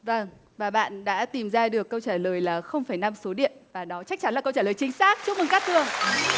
vâng và bạn đã tìm ra được câu trả lời là không phẩy năm số điện và đó chắc chắn là câu trả lời chính xác chúc mừng cát tường